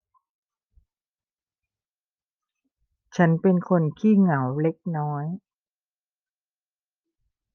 ฉันเป็นคนขี้เหงาเล็กน้อย